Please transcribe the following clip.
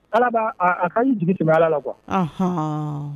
Ala an ni jigi bɛ ala labɔɔn